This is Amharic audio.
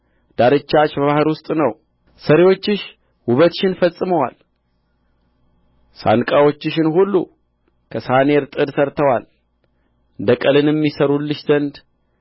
ዳርቻሽ በባሕር ውስጥ ነው ሠሪዎችሽ ውበትሽን ፈጽመዋል ሳንቃዎችሽን ሁሉ ከሳኔር ጥድ ሠርተዋል ደቀልንም ይሠሩልሽ ዘንድ